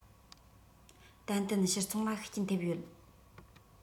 ཏན ཏན ཕྱིར ཚོང ལ ཤུགས རྐྱེན ཐེབས ཡོད